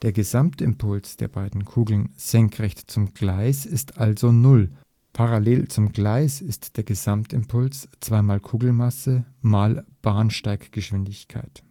Gesamtimpuls der beiden Kugeln senkrecht zum Gleis ist also null, parallel zum Gleis ist der Gesamtimpuls zweimal Kugelmasse mal Bahnsteiggeschwindigkeit